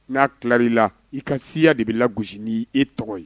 N'a tila i la i ka siya de bɛ gosi ni e tɔgɔ ye